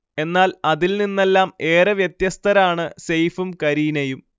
എന്നാൽ, അതിൽ നിന്നെല്ലാംഏറെ വ്യത്യസ്തരാണ് സെയ്ഫും കരീനയും